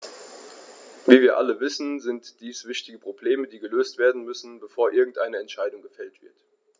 Wie wir alle wissen, sind dies wichtige Probleme, die gelöst werden müssen, bevor irgendeine Entscheidung gefällt wird.